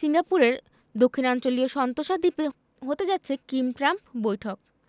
সিঙ্গাপুরের দক্ষিণাঞ্চলীয় সান্তোসা দ্বীপে হতে যাচ্ছে কিম ট্রাম্প বৈঠক